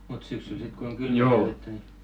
mutta syksyllä sitten kun on kylmempää vettä niin